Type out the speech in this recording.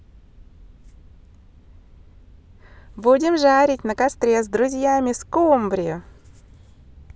будем жарить на костре с друзьями скумбрию